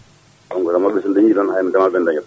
donc remoɓe so dañi tan hay ɓe ndemani ɓe dañat